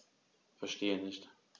Verstehe nicht.